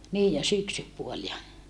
niin ja syksypuoli ja